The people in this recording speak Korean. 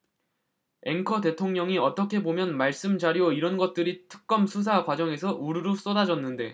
앵커 대통령이 어떻게 보면 말씀자료 이런 것들이 특검 수사 과정에서 우루루 쏟아졌는데